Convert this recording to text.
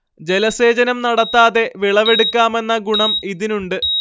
ജലസേചനം നടത്താതെ വിളവെടുക്കാമെന്ന ഗുണം ഇതിനുണ്ട്